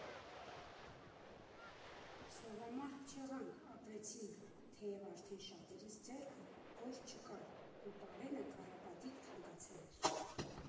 Սովամահ չեղանք, ապրեցինք, թեև արդեն շատերիս ձեռքը գործ չկար, ու պարենը քառապատիկ թանկացել էր։